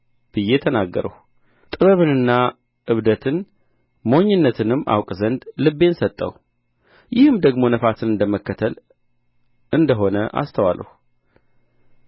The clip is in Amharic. ብዬ ተናገርሁ ጥበብንና ዕብደትን ሞኝነትንም አውቅ ዘንድ ልቤን ሰጠሁ ይህም ደግሞ ነፋስን እንደ መከተል እንደ ሆነ አስተዋልሁ